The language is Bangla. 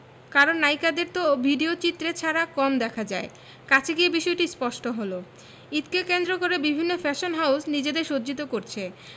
কারণ নায়িকাদের তো ভিডিওচিত্রে ছাড়া কম দেখা যায় কাছে গিয়ে বিষয়টি স্পষ্ট হলো ঈদকে কেন্দ্র করে বিভিন্ন ফ্যাশন হাউজ নিজেদের সজ্জিত করছে